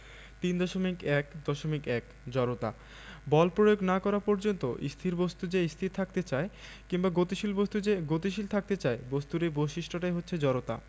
৩.১.১ জড়তা বল প্রয়োগ না করা পর্যন্ত স্থির বস্তু যে স্থির থাকতে চায় কিংবা গতিশীল বস্তু যে গতিশীল থাকতে চায় বস্তুর এই বৈশিষ্ট্যটাই হচ্ছে জড়তা